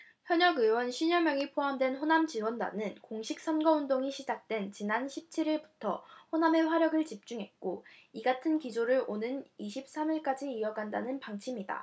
현역의원 쉰 여명이 포함된 호남지원단은 공식선거운동이 시작된 지난 십 칠 일부터 호남에 화력을 집중했고 이같은 기조를 오는 이십 삼 일까지 이어간다는 방침이다